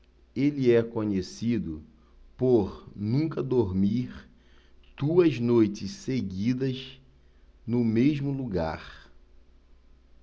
ele é conhecido por nunca dormir duas noites seguidas no mesmo lugar